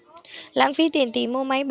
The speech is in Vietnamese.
lãng phí tiền tỉ mua máy